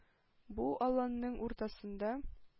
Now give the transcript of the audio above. Бу аланның уртасында